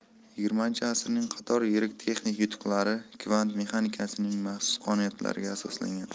xx asrning qator yirik texnik yutuqlari kvant mexanikasining maxsus qonuniyatlariga asoslangan